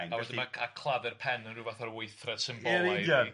A wedyn ma' claddu'r pen yn ryw fath o'r weithred symbolaidd... Yn union...